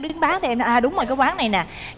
đứng bán à đúng rồi cái quán này nè